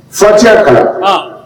Fatiya kalan